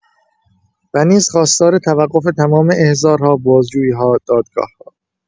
و نیز خواستار توقف تمام احضارها، بازجویی‌ها، دادگاه‌ها